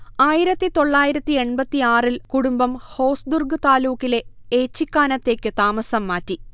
ആയിരത്തി തൊള്ളായിരത്തി എൺപത്തിയാറിൽ കുടുംബം ഹോസ്ദുർഗ് താലൂക്കിലെ ഏച്ചിക്കാനത്തേക്ക് താമസം മാറ്റി